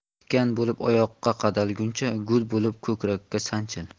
tikan bo'lib oyoqqa qadalguncha gul bo'lib ko'krakka sanchil